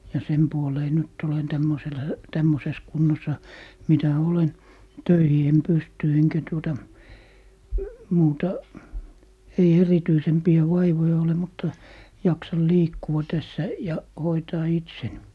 ja sen puoleen nyt olen tämmöisellä tämmöisessä kunnossa mitä olen töihin en pysty enkä tuota muuta ei erityisempiä vaivoja ole mutta jaksan liikkua tässä ja hoitaa itseni